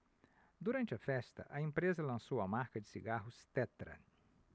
durante a festa a empresa lançou a marca de cigarros tetra